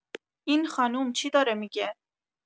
این خانوم چی داره می‌گه؟